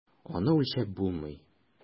Аны үлчәп булмый.